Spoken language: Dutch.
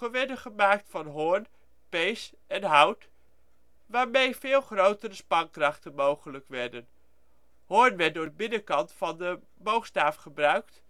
werden gemaakt van hoorn, pees en hout, waarmee veel grotere spankrachten mogelijk werden. Hoorn werd voor de binnenkant van de boogstaaf gebruikt